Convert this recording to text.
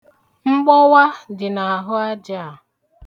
Mgbọwa dị n'ahụ aja a..